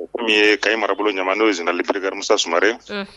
O komi ye ka ɲi marabolo ɲa n'o ye sen'lipli musasre